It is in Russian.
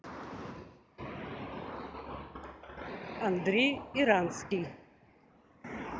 андрей иранский